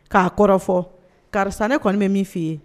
K'a kɔrɔfɔ fɔ karisa ne kɔni bɛ min f fɔ ii ye